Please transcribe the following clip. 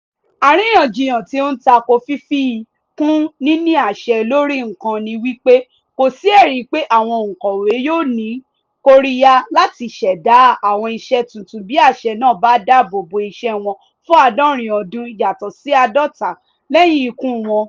Àríyànjiyàn tí ó ń tako fífi kún níní àṣẹ lórí nǹkan ni wí pé kò sí ẹ̀rí pé àwọn òǹkọ̀wé yóò rí kóríyá láti ṣẹ̀dá àwọn iṣẹ́ tuntun bí àṣẹ náà bá dáàbò bo iṣẹ́ wọn fún àádọ́rin ọdún yàtọ̀ sí àádọ́ta lẹ́yìn ikú wọn.